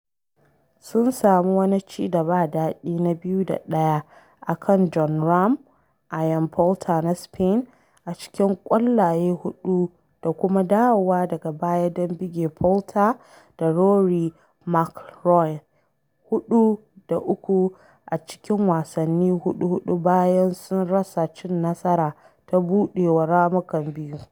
Sun sami wani ci da ba daɗi na 2 da 1 a kan Jon Rahm Ian Poulter na Spain a cikin ƙwallaye huɗu da kuma dawowa daga baya don buge Poulter da Rory McIlroy 4 da 3 a cikin wasannin huɗu-huɗu bayan su rasa cin nasara ta buɗewa ramukan biyu.